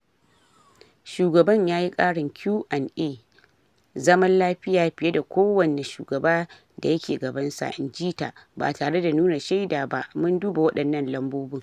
"Shugaban ya yi karin Q & A zaman lafiya fiye da kowane shugaban da yake gabansa," inji ta, ba tare da nuna shaida ba: "Mun duba wadannan lambobin."